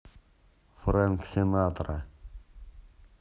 фрэнк синатра